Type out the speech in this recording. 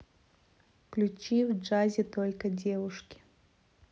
включи в джазе только девушки